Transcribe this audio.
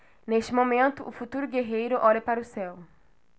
neste momento o futuro guerreiro olha para o céu